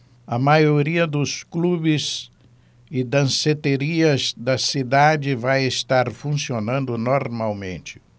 a maioria dos clubes e danceterias da cidade vai estar funcionando normalmente